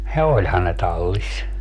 ja olihan ne tallissa